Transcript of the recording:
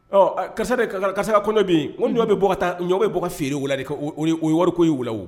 Ɔ kasɛ ka kɔnɔ bɛ ko ɲɔ bɛ bɔ ka taa bɛ bɔ ka feereere wele de ka o wariko y' la